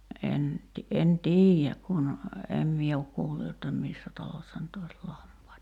en - en tiedä kun en minä ole kuullut jotta missä talossa nyt olisi lampaita